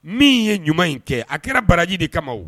Min ye ɲuman in kɛ a kɛra baraji de kama